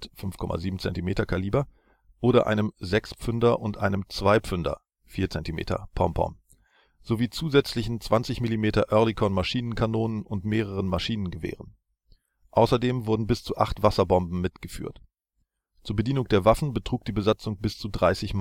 5,7 cm) oder einem 6-Pfünder und einem 2-Pfünder (4 cm) Pom-Pom sowie zusätzlichen 20-mm-Oerlikon Maschinenkanonen und mehreren Maschinengewehren. Außerdem wurden bis zu acht Wasserbomben mitgeführt. Zur Bedienung der Waffen betrug die Besatzung bis zu 30